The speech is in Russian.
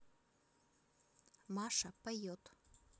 маша поет